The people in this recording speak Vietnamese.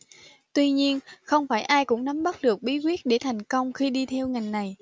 tuy nhiên không phải ai cũng nắm bắt được bí quyết để thành công khi đi theo ngành này